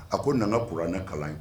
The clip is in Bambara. A ko nana kuranɛ kalan ye